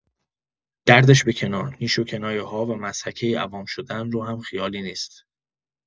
دردش به کنار، نیش و کنایه‌ها و مضحکۀ عوام شدن را هم خیالی نیست.